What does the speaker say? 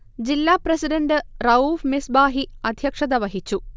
ജില്ല പ്രസിഡൻറ് റഊഫ് മിസ്ബാഹി അധ്യക്ഷത വഹിച്ചു